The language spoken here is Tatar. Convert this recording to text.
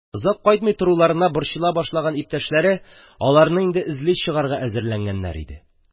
Озак кайтмый торуларына борчыла башлаган иптәшләре аларны инде эзли чыгарга әзерләнгәннәр иде.